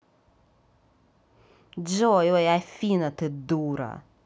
джой ой афина ты дура